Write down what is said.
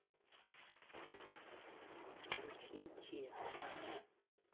включи честного